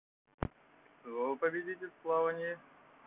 кто победитель в плавании